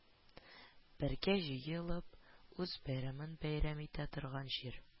Бергә җыелып, үз бәйрәмен бәйрәм итә торган җир